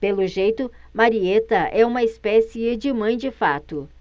pelo jeito marieta é uma espécie de mãe de fato